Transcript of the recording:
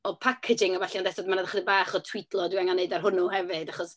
Wel, packaging a ballu, ond eto mae 'na chydig bach o twidlo dwi angen wneud ar hwnnw hefyd, achos...